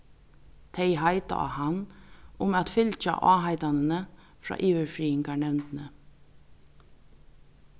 tey heita á hann um at fylgja áheitanini frá yvirfriðingarnevndini